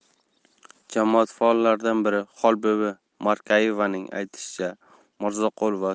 jamoat faollaridan biri xolbibi markayevaning aytishicha mirzoqulova